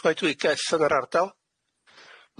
coedwigaeth yn yr ardal.